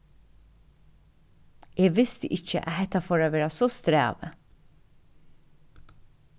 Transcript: eg visti ikki at hetta fór at vera so strævið